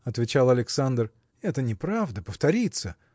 – отвечал Александр, – это неправда: повторится!